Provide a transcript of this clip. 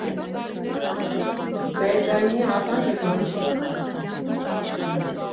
Բերգայնի ականջը կանչի։